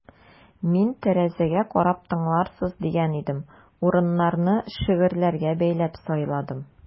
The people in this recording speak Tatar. Мин тәрәзәгә карап тыңларсыз дигән идем: урыннарны шигырьләргә бәйләп сайладым.